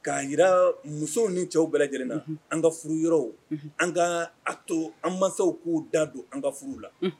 K'a jira musow ni cɛw bɛɛ lajɛlenna an ka furu yɔrɔw an ka a to an masaw k'o da don an ka furu la